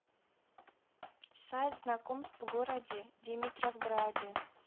сайт знакомств в городе димитровграде